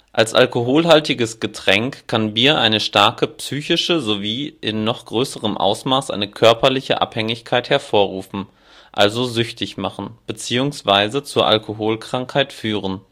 Als alkoholhaltiges Getränk kann Bier eine starke psychische, sowie in noch größerem Ausmaß eine körperliche Abhängigkeit hervorrufen, also süchtig machen, bzw. zur Alkoholkrankheit führen